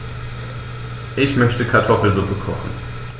Ich möchte Kartoffelsuppe kochen.